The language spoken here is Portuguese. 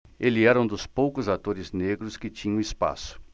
ele era um dos poucos atores negros que tinham espaço